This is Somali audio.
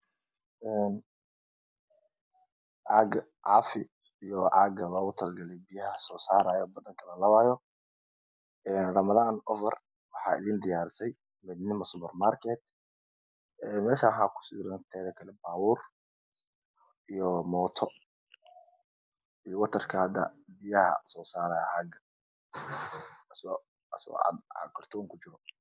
Caaga cafi io caga biyah sosaro badhanka lalabayo ramadan kahor waxa ini diyarisay midnimo subarmarked meshan waxa kusawiran baabur io mooto io watarka biyaha sosarayo biyaha uso karton kujiro